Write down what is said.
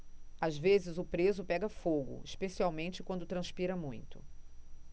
às vezes o preso pega fogo especialmente quando transpira muito